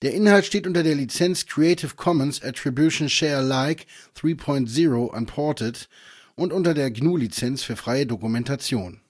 Inhalt steht unter der Lizenz Creative Commons Attribution Share Alike 3 Punkt 0 Unported und unter der GNU Lizenz für freie Dokumentation